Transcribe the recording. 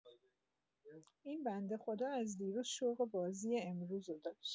این بنده خدا از دیروز شوق بازی امروز رو داشت.